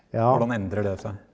hvordan endrer det seg?